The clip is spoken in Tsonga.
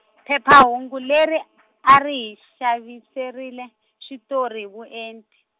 phephahungu leri, a ri hi xaviserile, xitori hi vuenti.